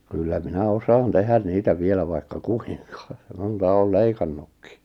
kyllä minä osaan tehdä niitä vielä vaikka kuinka monta olen leikannutkin